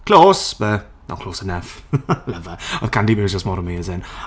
Close! But not close enough. Love 'er. Odd Kandy Muse jyst mor amazing.